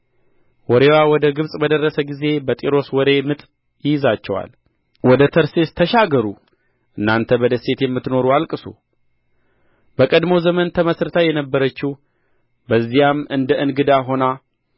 ወሬዋ ወደ ግብጽ በደረሰ ጊዜ በጢሮስ ወሬ ምጥ ይይዛቸዋል ወደ ተርሴስ ተሻገሩ እናንተ በደሴት የምትኖሩ አልቅሱ በቀድሞ ዘመን ተመሥርታ የነበረችው በዚያም እንደ እንግዳ ሆና